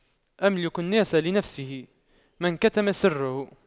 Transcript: أملك الناس لنفسه من كتم سره